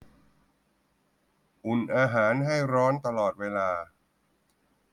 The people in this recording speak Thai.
อุ่นอาหารให้ร้อนตลอดเวลา